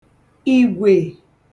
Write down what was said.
ìgwè